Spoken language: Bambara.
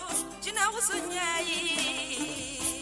Jinɛmuso ɲɔ ye